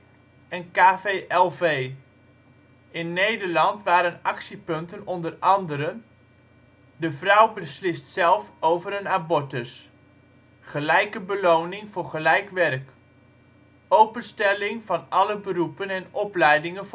KAV, SVV, KVLV). In Nederland waren actiepunten onder andere: de vrouw beslist zelf over een abortus gelijke beloning voor gelijk werk openstelling van alle beroepen en opleidingen